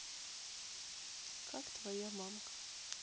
как твоя мамка